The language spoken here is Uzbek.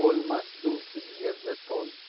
bo'lmas suvsiz yerda tol